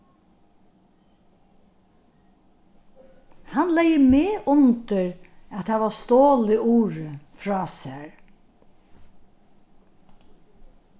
hann legði meg undir at hava stolið urið frá sær